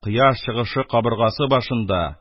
Кояш чыгышы кабыргасы башында,